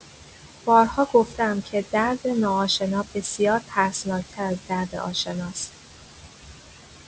بارها گفته‌ام که درد ناآشنا بسیار ترسناک‌تر از درد آشناست.